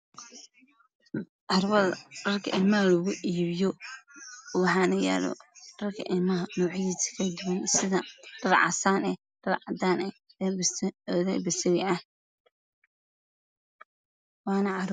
carwada dharka ilamaha lagu iibiyo waxaana yaalo dharka ilmaha noocyadiisa kala duwan sida dhar casaan ah dhar cadaan eh oo labis eh